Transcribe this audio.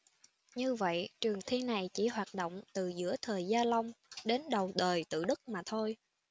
như vậy trường thi này chỉ hoạt động từ giữa thời gia long đến đầu đời tự đức mà thôi